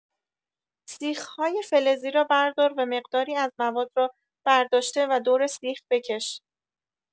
سیخ‌های فلزی را بردار و مقداری از مواد را برداشته و دور سیخ بکش.